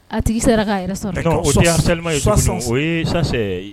A tigi sera' o ye